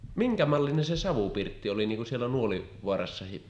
minkä mallinen se savupirtti oli niin kuin siellä Nuolivaarassakin